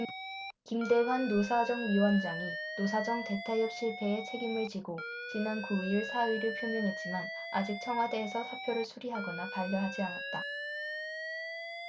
김대환 노사정위원장이 노사정 대타협 실패에 책임을 지고 지난 구 일 사의를 표명했지만 아직 청와대에서 사표를 수리하거나 반려하지 않았다